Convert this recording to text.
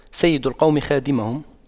سيد القوم خادمهم